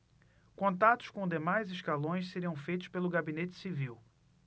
contatos com demais escalões seriam feitos pelo gabinete civil